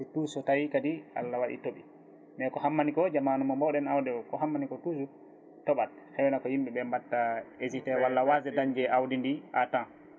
surtout so tawi kadi Allah waɗi tooɓi mais hammani ko jamanu mo mbawɗen awde o ko hammani ko toujours tooɓat heyna ko yimɓeɓe mbatta hésité walla wasde dañde awdi ndi à temps